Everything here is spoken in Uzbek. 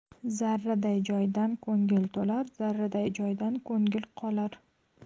zarraday joydan ko'ngil to'lar zarraday joydan ko'ngil qolar